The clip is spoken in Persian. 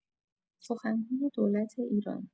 سخنگوی دولت ایران